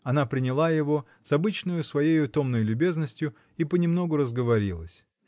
Она приняла его с обычною своею томной любезностью и понемногу разговорилась.